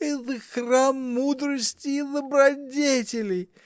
Это храм мудрости и добродетели.